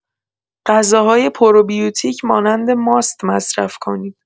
غذاهای پروبیوتیک مانند ماست مصرف کنید.